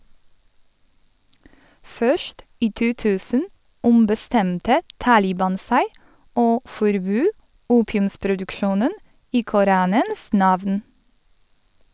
Først i 2000 ombestemte Taliban seg, og forbød opiumsproduksjonen i koranens navn.